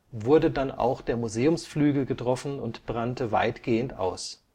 wurde dann auch der Museumsflügel getroffen und brannte weitgehend aus